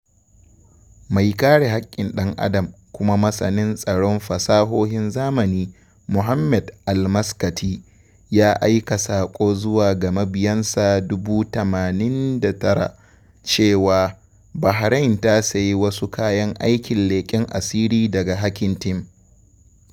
Mai kare haƙƙin ɗan Adam kuma masanin tsaron fasahohin zamani, Mohammed Al-Maskati, ya aika saƙo zuwa ga mabiyansa 89,000 cewa Bahrain ta sayi wasu kayan aikin leƙen asiri daga Hacking Team.